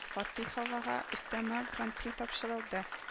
Фатыйховага өстәмә Гран-при тапшырылды